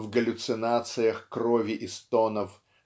в галлюцинациях крови и стонов